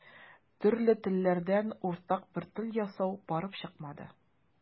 Төрле телләрдән уртак бер тел ясау барып чыкмады.